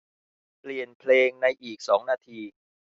เปลี่ยนเพลงในอีกสองนาที